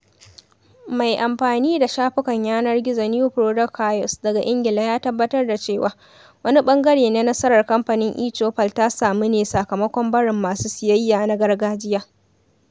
Mai amfani da shafukan yanar gizo NeoProducts Kiosks daga Ingila ya tabbatar da cewa, wani ɓangare na nasarar Kamfanin eChoupal ta samu ne sakamakon barin masu siyayya na gargajiya